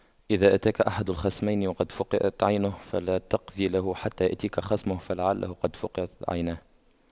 إذا أتاك أحد الخصمين وقد فُقِئَتْ عينه فلا تقض له حتى يأتيك خصمه فلعله قد فُقِئَتْ عيناه